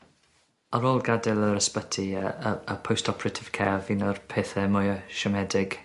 Ar ôl gadel yr ysbyty y y y post operative care odd un o'r pethe mwya siomedig.